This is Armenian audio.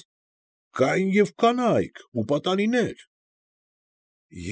Կային և կանայք ու պատանիներ։